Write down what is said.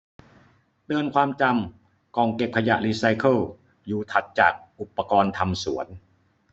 เตือนความจำกล่องเก็บขยะรีไซเคิลอยู่ถัดจากอุปกรณ์ทำสวน